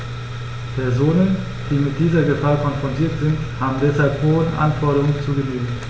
Personen, die mit dieser Gefahr konfrontiert sind, haben deshalb hohen Anforderungen zu genügen.